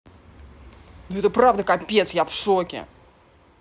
это правда капец я в шоке